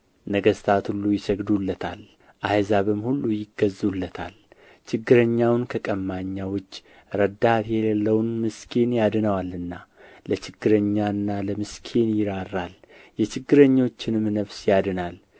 ነገሥታት ሁሉ ይሰግዱለታል አሕዛብም ሁሉ ይገዙለታል ችግረኛውን ከቀማኛው እጅ ረዳት የሌለውንም ምስኪን ያድነዋልና ለችግረኛና ለምስኪን ይራራል የችግረኞችንም ነፍስ ያድናል